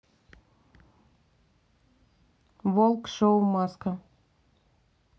волк шоу маска